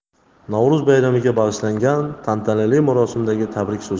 navro'z bayramiga bag'ishlangan tantanali marosimdagi tabrik so'zi